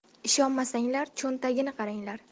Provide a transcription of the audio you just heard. ishonmasanglar cho'ntagini qaranglar